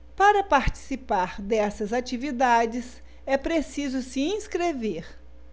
para participar dessas atividades é preciso se inscrever